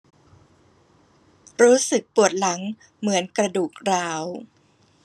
รู้สึกปวดหลังเหมือนกระดูกร้าว